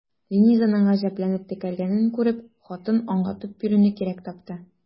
Ленизаның гаҗәпләнеп текәлгәнен күреп, хатын аңлатып бирүне кирәк тапты.